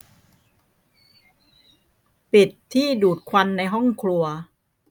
ปิดที่ดูดควันในห้องครัว